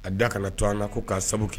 A da kana to an na ko k'a sababu kɛ